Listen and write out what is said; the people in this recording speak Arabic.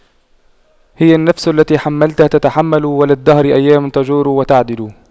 هي النفس ما حَمَّلْتَها تتحمل وللدهر أيام تجور وتَعْدِلُ